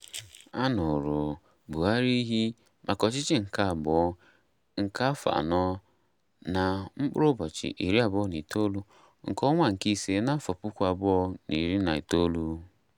A ṅụrụ Buhari iyi maka ọchịchị nke abụọ nke afọ anọ na Mee 29, 2019.